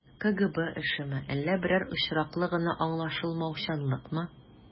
КГБ эшеме, әллә берәр очраклы гына аңлашылмаучанлыкмы?